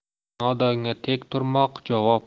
nodonga tek turmoq javob